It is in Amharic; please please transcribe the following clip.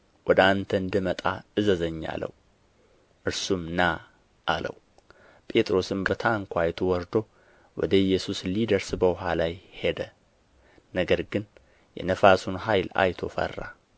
ወደ አንተ እንድመጣ እዘዘኝ አለው እርሱም ና አለው ጴጥሮስም ከታንኳይቱ ወርዶ ወደ ኢየሱስ ሊደርስ በውኃው ላይ ሄደ ነገር ግን የነፋሱን ኃይል አይቶ ፈራ